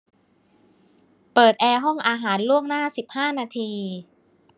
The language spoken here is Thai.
เปิดแอร์ห้องอาหารล่วงหน้าสิบห้านาที